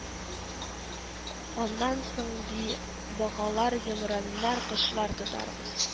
Аннан соң ди, бакалар, йомраннар, кошлар тотарбыз